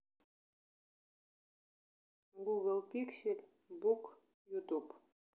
гугл пиксель бук ютуб